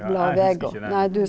ja jeg husker ikke det.